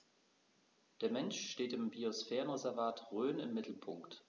Der Mensch steht im Biosphärenreservat Rhön im Mittelpunkt.